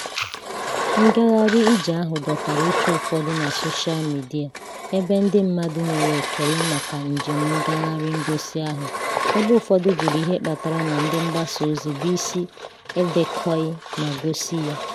Ngagharị ije ahụ dọtara uche ụfọdụ na soshaa midia ebe ndị mmadụ nyere ekele maka njem ngagharị ngosi ahụ ebe ụfọdụ jụrụ ihe kpatara na ndị mgbasa ozi bụ isi edekọghị ma gosi ya.